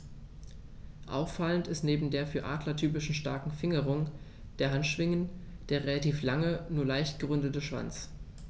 Auffallend ist neben der für Adler typischen starken Fingerung der Handschwingen der relativ lange, nur leicht gerundete Schwanz.